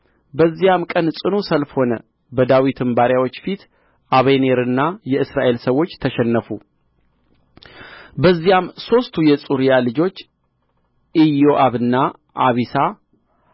በዚያም ቀን ጽኑ ሰልፍ ሆነ በዳዊትም ባሪያዎች ፊት አበኔርና የእስራኤል ሰዎች ተሸነፉ በዚያም ሦስቱ የጽሩያ ልጆች ኢዮአብና አቢሳ አሣሄልም ነበሩ